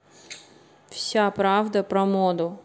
вся правда про моду